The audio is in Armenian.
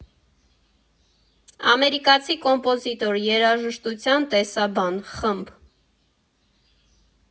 Ամերիկացի կոմպոզիտոր, երաժշտության տեսաբան ֊ խմբ.